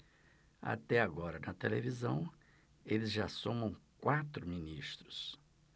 até agora na televisão eles já somam quatro ministros